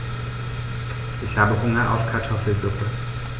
Ich habe Hunger auf Kartoffelsuppe.